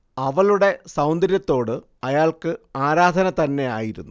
അവളുടെ സൗന്ദര്യത്തോട് അയാൾക്ക് ആരാധന തന്നെ ആയിരുന്നു